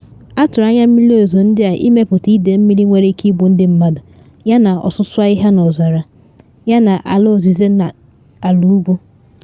Atụrụ anya mmiri ozizo ndị a ịmepụta ịde mmiri nwere ike igbu ndị mmadụ yana ọsụsọ ahịhịa n’ọzara, yana ala ọzịze n’ala ugwu.